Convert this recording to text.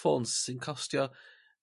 ffons sy'n costio